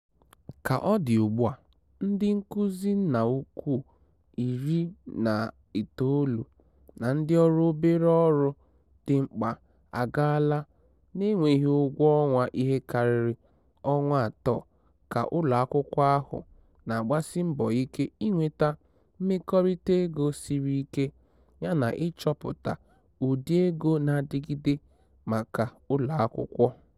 Ka ọ dị ugbu a, ndị nkuzi nna ukwu 19 na ndị ọrụ obere ọrụ dị mkpa agaala n'enweghị ụgwọ ọnwa ihe karịrị ọnwa atọ ka ụlọ akwụkwọ ahụ na-agbasi mbọ ike inweta mmekorita ego siri ike yana ịchọpụta ụdị ego na-adigide maka ụlọakwụkwọ.